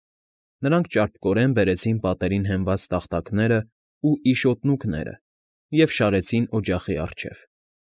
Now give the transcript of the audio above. Նրանք ճարպկորեն բերեցին պատերին հենված տախտակներն ու իշոտնուկները և շարեցին օջախի առջև։